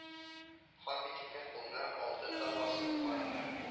Хан битекне кулына алды тамгасын карады